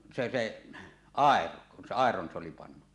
se se airo kun se airon se oli pannut